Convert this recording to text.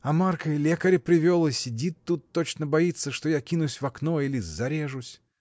А Марк и лекаря привел, и сидит тут, точно боится, что я кинусь в окно или зарежусь.